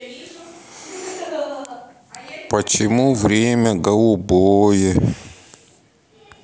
почему время голубое